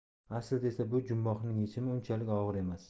aslida esa bu jumboqning yechimi unchalik og'ir emas